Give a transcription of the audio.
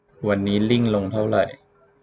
วันนี้ลิ้งลงเท่าไหร่